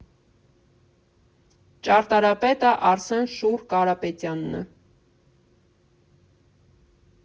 Ճարտարապետը Արսեն Շուռ Կարապետյանն է։